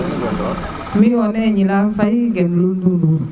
miyo ne e Gnilane faye gen lul ndundur